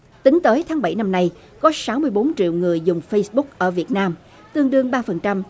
tính tới tháng bảy năm nay có sáu mươi bốn triệu người dùng phây búc ở việt nam tương đương ba phần trăm